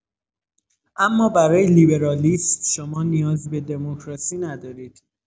اما برای لیبرالیسم شما نیازی به دموکراسی ندارید.